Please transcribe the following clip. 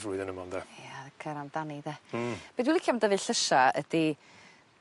flwyddyn yma ynde? Ia cer amdani de? Hmm. Be' dwi licio am dyfu llysia ydi